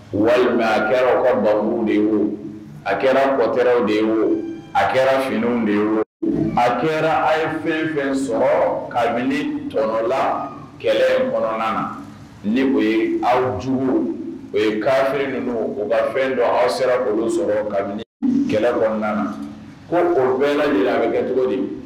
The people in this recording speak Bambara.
Walima a kɛra ka barow de wo a kɛra kɔtaraww de wo a kɛra finiw de wo a kɛra a ye fɛn fɛn sɔrɔ kabini tɔnɔ la kɛlɛ mɔnan na ni o ye awjugu o ye kafri ninnu u ka fɛn dɔn aw sera golo sɔrɔ kabini kɛlɛ dɔnna ko o bɛɛ jira a bɛ kɛ cogo di